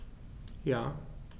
Ja.